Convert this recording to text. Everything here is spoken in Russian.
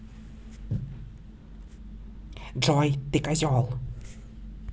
джой ты козел